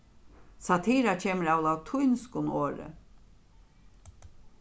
satira kemur av latínskum orði